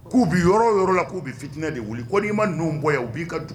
K'u bɛ yɔrɔ yɔrɔ la k'u bɛ fitinɛ de wuli ko'i ma ninnu bɔ yan u b'i ka